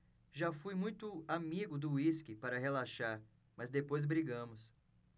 já fui muito amigo do uísque para relaxar mas depois brigamos